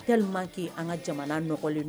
Kɛlenli kɛ an ka jamana nɔgɔlen